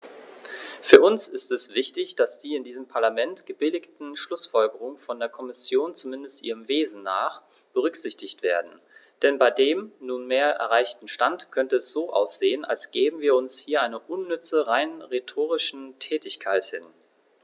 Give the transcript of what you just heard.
Für uns ist es wichtig, dass die in diesem Parlament gebilligten Schlußfolgerungen von der Kommission, zumindest ihrem Wesen nach, berücksichtigt werden, denn bei dem nunmehr erreichten Stand könnte es so aussehen, als gäben wir uns hier einer unnütze, rein rhetorischen Tätigkeit hin.